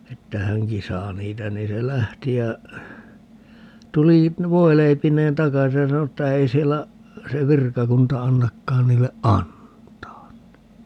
että hänkin saa niitä niin se lähti ja tuli voileipineen takaisin ja sanoi että ei siellä se virkakunta annakaan niille antaa niin